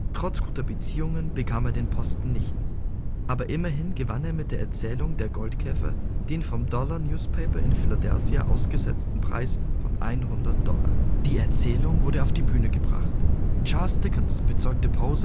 Trotz guter Beziehungen bekam er den Posten nicht, aber immerhin gewann er mit der Erzählung Der Goldkäfer den vom Dollar Newspaper in Philadelphia ausgesetzten Preis von 100 Dollar. Die Erzählung wurde auf die Bühne gebracht. Charles Dickens bezeugte Poe